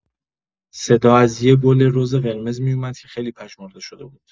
صدا از یه گل رز قرمز می‌اومد که خیلی پژمرده شده بود.